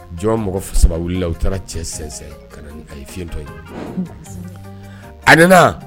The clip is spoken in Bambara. Jɔn mɔgɔ saba wulila la u taara cɛ sɛsɛn ka ye fiɲɛtɔ ye a nana